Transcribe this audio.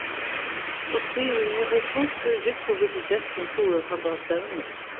og smyril hevur flutt í rúgvuvís av gestum suður at halda stevnu